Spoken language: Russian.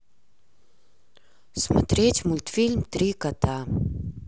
смотреть мультфильм три кота